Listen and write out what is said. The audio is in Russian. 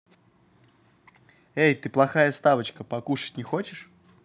эй ты плохая ставочка покушать не хочешь